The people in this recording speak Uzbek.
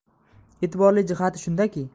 e'tiborli jihati shundaki